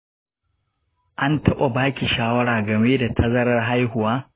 an taɓa ba ki shawara game da tazarar haihuwa?